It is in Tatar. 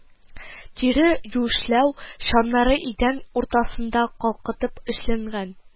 Тире юешләү чаннары идән уртасында калкытып эшләнгән